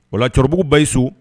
O la cbuguba yyi so